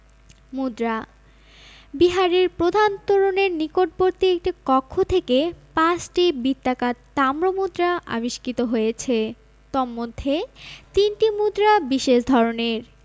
মুদ্রা বিহারের প্রধান তোরণের নিকটবর্তী একটি কক্ষ থেকে ৫টি বৃত্তাকার তাম্র মুদ্রা আবিষ্কৃত হয়েছে তন্মধ্যে তিনটি মুদ্রা বিশেষ ধরনের